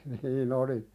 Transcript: niin olisi